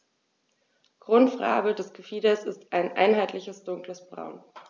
Grundfarbe des Gefieders ist ein einheitliches dunkles Braun.